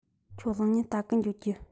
ཁྱོད གློག བརྙན བལྟ གི འགྱོ རྒྱུ